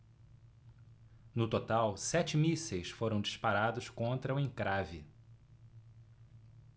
no total sete mísseis foram disparados contra o encrave